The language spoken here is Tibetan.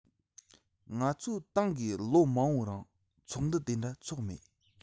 ང ཚོའི ཏང གིས ལོ མང པོའི རིང ཚོགས འདུ དེ འདྲ འཚོགས མེད